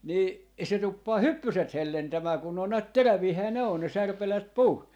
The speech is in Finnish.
niin se tuppaa hyppyset hellentämään kun ne on näet teräviähän ne on ne särpäleet puun